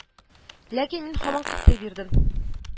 Ләкин мин һаман кыстый бирдем